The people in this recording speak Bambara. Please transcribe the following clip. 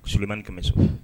Smani kɛmɛ so